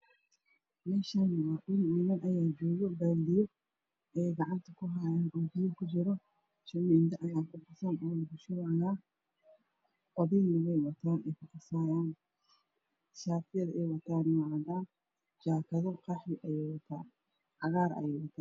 Meshaani waa dhuul niman ayaa jooga baldiyo ayeey gacanta ku haayan oo biyo ku juro shamindo ayeey ku qasan weyna ku shubayan badilana way wataan ey ku qasayaan shatiyada ey wataan waa cadan jakado qaxwi ayeey watan cagaar ayeey watan